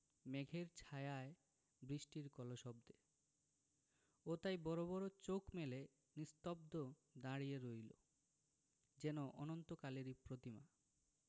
মেঘের ছায়ায় বৃষ্টির কলশব্দে ও তাই বড় বড় চোখ মেলে নিস্তব্ধ দাঁড়িয়ে রইল যেন অনন্তকালেরই প্রতিমা